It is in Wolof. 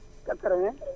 80